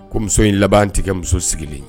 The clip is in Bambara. Ko muso in laban ti kɛ muso sigilen ye